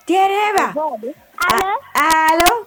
Denba ko a ala